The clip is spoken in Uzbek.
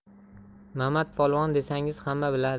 mamat polvon desangiz hamma biladi